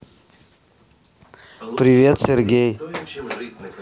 привет сергей